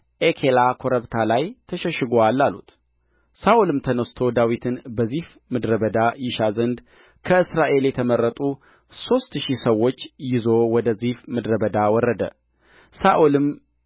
በኤኬላ ኮረብታ ላይ ተሸሽጎአል አሉት ሳኦልም ተነሥቶ ዳዊትን በዚፍ ምድረ በዳ ይሻ ዘንድ ከእስራኤል የተመረጡ ሦስት ሺህ ሰዎች ይዞ ወደ ዚፍ ምድረ በዳ ወረደ ሳኦልም